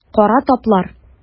Кара таплар.